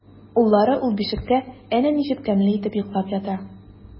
Уллары ул бишектә әнә ничек тәмле итеп йоклап ята!